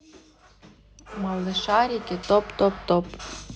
малышарики топ топ топ